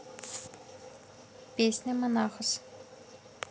песня monahos